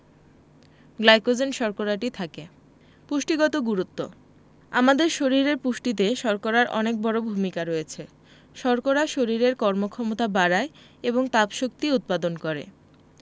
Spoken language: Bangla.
গ্লাইকোজেন শর্করাটি থাকে পুষ্টিগত গুরুত্ব আমাদের শরীরের পুষ্টিতে শর্করার অনেক বড় ভূমিকা রয়েছে শর্করা শরীরের কর্মক্ষমতা বাড়ায় এবং তাপশক্তি উৎপাদন করে